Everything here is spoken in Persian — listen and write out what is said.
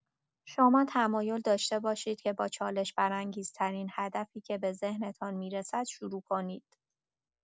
شاید تمایل داشته باشید که با چالش‌برانگیزترین هدفی که به ذهنتان می‌رسد شروع کنید.